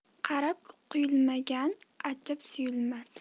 qarib quyulmagan achib suyulmas